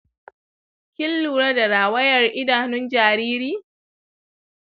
kin lura da rawayar idanun jariri?